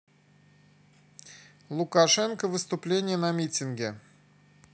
лукашенко выступление на митинге